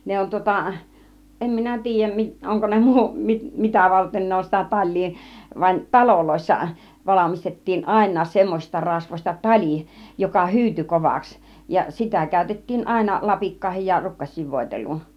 ne on tuota en minä tiedä - onko ne -- mitä varten ne on sitä talia vaan taloissa valmistettiin ainakin semmoisista rasvoista tali joka hyytyi kovaksi ja sitä käytettiin aina lapikkaihin ja rukkasiin voiteluun